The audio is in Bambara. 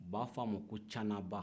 u b'a fɔ a ko canaba